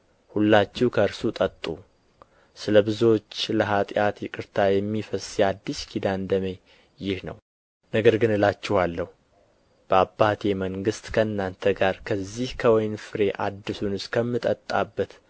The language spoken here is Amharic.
ሁላችሁ ከእርሱ ጠጡ ስለ ብዙዎች ለኃጢአት ይቅርታ የሚፈስ የአዲስ ኪዳን ደሜ ይህ ነው ነገር ግን እላችኋለሁ በአባቴ መንግሥት ከእናንተ ጋር ከዚህ ከወይን ፍሬ አዲሱን እስከምጠጣበት